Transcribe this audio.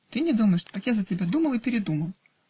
-- Ты не думаешь, так я за тебя думал и передумал.